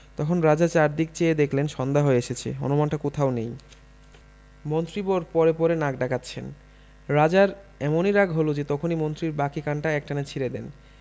তখন রাজা চারদিক চেয়ে দেখলেন সন্ধ্যা হয়ে এসেছে হুনুমানটা কোথাও নেই মন্ত্রীবর পড়ে পড়ে নাক ডাকাচ্ছেন রাজার এমনি রাগ হল যে তখনি মন্ত্রীর বাকি কানটা এক টানে ছিড়ে দেন